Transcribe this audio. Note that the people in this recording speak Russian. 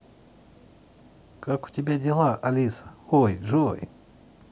как у тебя дела алиса ой джой